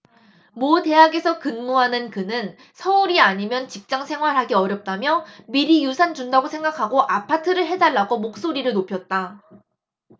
모 대학에서 근무하는 그는 서울이 아니면 직장생활하기 어렵다며 미리 유산 준다고 생각하고 아파트를 해 달라고 목소리를 높였다